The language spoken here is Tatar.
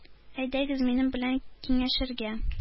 Әйдәгез минем белән киңәшергә,